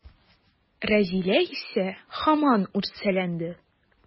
Рәзилә исә һаман үрсәләнде.